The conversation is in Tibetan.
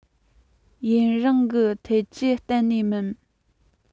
ཡུན རིང གི ཐབས ཇུས གཏན ནས མིན